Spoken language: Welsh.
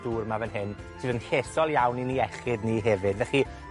dwr 'ma fan hyn, sydd yn llesol iawn i'n iechyd ni hefyd. Felly,